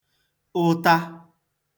ụta